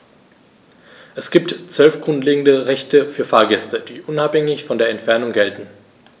Es gibt 12 grundlegende Rechte für Fahrgäste, die unabhängig von der Entfernung gelten.